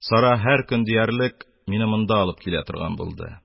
Сара, һәр көн диярлек, мине монда алып килә торган булды.